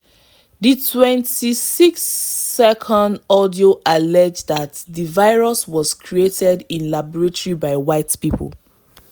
The 26-second audio alleged that the virus was created in a laboratory by white people.